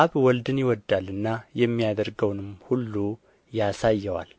አብ ወልድን ይወዳልና የሚያደርገውንም ሁሉ ያሳየዋል